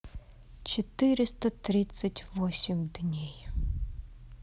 четыреста тридцать восемь дней